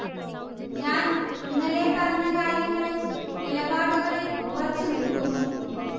ഞാൻ ഇന്നലെ പറഞ്ഞ കാര്യങ്ങളിൽ, നിലപാടുകളിൽ ഉറച്ചു നില്കുന്നു